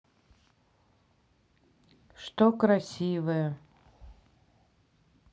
что красивое